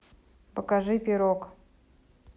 покажи пирог